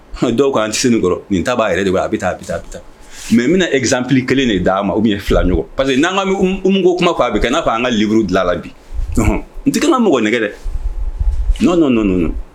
Hum ! Dɔw k'an tɛ senkɔrɔ nin t'a b'a yɛrɛ de bolo a bɛ tan a bɛ tan a bɛ taana mais n bɛna exemple kelen d'a ma oubien fila ɲɔgɔn parce que n'an k'an bi Umu ko kuma k'a bi kɛ bi, n'a k'an ka livre dilan la bi, ɔnhɔn n tɛ ka mɔgɔ nɛgɛn dɛ